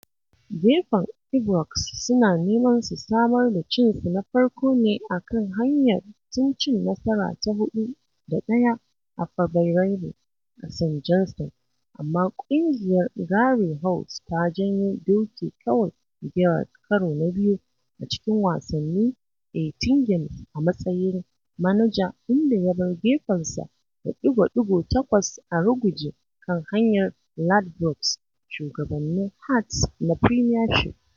Gefen Ibrox suna neman su samar da cinsu na farko ne a kan hanyar tun cin nasara ta 4 da 1 a Fabarairu a St Johnstone, amma ƙungiyar Gary Holt ta janyo doke kawai Gerrard karo na biyu a cikin wasanni 18 games a matsayin manaja inda ya bar gefensa da ɗigo-ɗigo takwas a ruguje kan hanyar Ladbrokes shugabannin Hearts na Premiership.